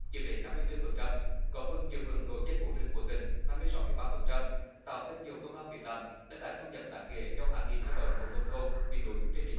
chiếm đến năm mươi tư phần trăm góp phần giữ vững độ che phủ rừng của tỉnh năm mươi sáu phẩy ba phần trăm tạo thêm nhiều công ăn việc làm đem lại thu nhập đáng kể cho hàng nghìn lao động vùng nông thôn miền núi trên địa